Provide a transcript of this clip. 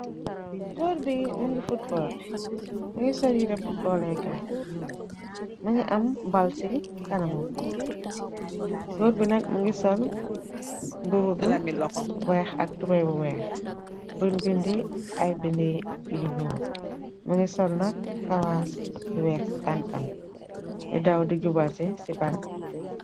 Gór bi mugii futbal mu ngi sol yirèh futbal leekay, mu ngi am bal ci kanaman, gór bi nag mu ngi sol mbubu bu wèèx ak tubay bu wèèx buñ bindi ay bindi yu ñuul mu ngi sol nak kawas yu wèèx ci tankam di daw di jubal ci ci bal bi.